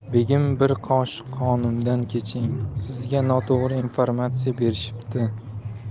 begim bir qoshiq qonimdan keching sizga noto'g'ri informatsiya berishibdi